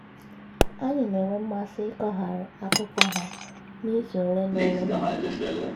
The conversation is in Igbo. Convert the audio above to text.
Anyị na-enwe mmasị ịkọgharị akụkọ ha n'izu olenaole na-abịa.